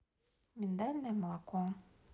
миндальное молоко